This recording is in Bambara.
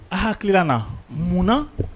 A' hakilina la mun na ?